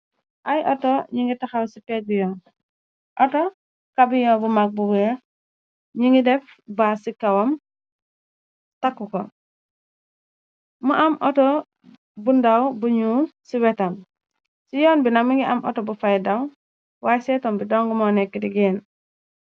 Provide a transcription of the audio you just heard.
Ay auto ñi ngi taxaw ci pej bi yoon, auto kabiyon bu mag bu weex , ñu ngi def baa ci kawam takkuko. Mu am auto bu ndaw bu ñuul ci wetam, ci yoon binami ngi am auto bu fay daw , waaye setom bi dong moo nekk ligeen.